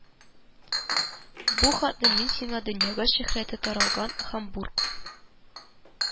Бу хатны мин сиңа дөньяга шөһрәте таралган Һамбург